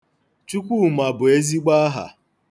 Chukwuma bụ ezigbo aha.